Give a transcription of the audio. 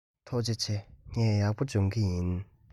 ཐུགས རྗེ ཆེ ངས ཡག པོ སྦྱོང གི ཡིན